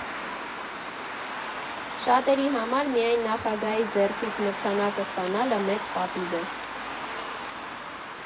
Շատերի համար միայն նախագահի ձեռքից մրցանակը ստանալը մեծ պատիվ է։